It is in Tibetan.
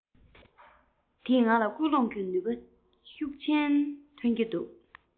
དེས ང ལ སྐུལ སློང གི ནུས པ ཤུགས ཆེན ཐོན གྱི འདུག